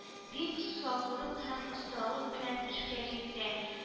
Бик саклык һәм осталык белән эшкә җикте